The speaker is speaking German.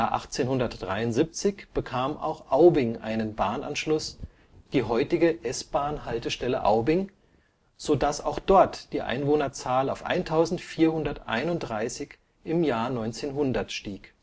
1873 bekam auch Aubing einen Bahnanschluss, die heutige S-Bahn-Haltestelle Aubing, so dass auch dort die Einwohnerzahl auf 1.431 im Jahr 1900 stieg